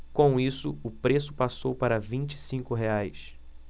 com isso o preço passou para vinte e cinco reais